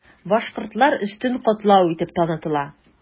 Башкортлар өстен катлау итеп танытыла.